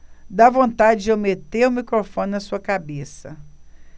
dá vontade de eu meter o microfone na sua cabeça